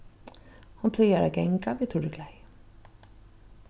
hon plagar at ganga við turriklæði